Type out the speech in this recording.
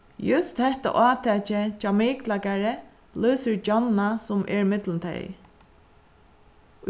júst hetta átakið hjá miklagarði lýsir gjónna sum er millum tey